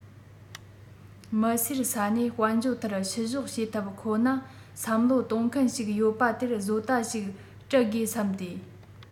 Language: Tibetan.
མི སེར ས ནས དཔལ འབྱོར ཐད བཤུ གཞོག བྱེད ཐབས ཁོ ན བསམ བློ གཏོང མཁན ཞིག ཡོད པ དེར བཟོ ལྟ ཞིག སྤྲད དགོས བསམས ཏེ